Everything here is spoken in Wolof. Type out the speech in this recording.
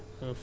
waa